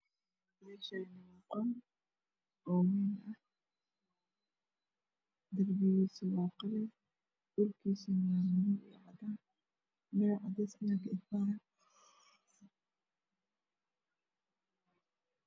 Meeshaani waa qol oo wayn ah darbigiisa waa qalin dhulkiisa waa madow iyo cadaan leer cadays ayaa ka ifaayo